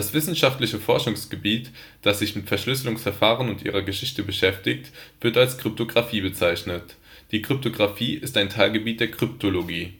wissenschaftliche Forschungsgebiet, das sich mit Verschlüsselungsverfahren und ihrer Geschichte beschäftigt, wird als Kryptographie bezeichnet. Die Kryptographie ist ein Teilgebiet der Kryptologie